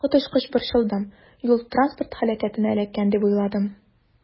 Коточкыч борчылдым, юл-транспорт һәлакәтенә эләккән дип уйладым.